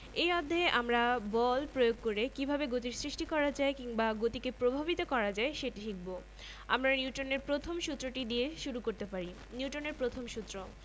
জড়তার বিষয়টি যদি শুধু একটা সংজ্ঞা হতো তাহলে এটাকে এত গুরুত্ব দিয়ে শেখানো হতো না আসলে এটা পদার্থবিজ্ঞানের দৃষ্টিকোণ থেকে খুব গুরুত্বপূর্ণ একটা বিষয়